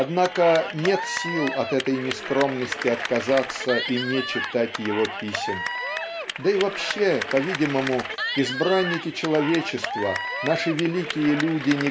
Однако нет сил от этой нескромности отказаться и не читать его писем. Да и вообще по-видимому избранники человечества наши великие люди